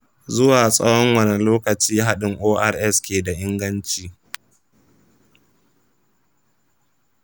zuwa tsawon wane lokaci haɗin ors ke da inganci?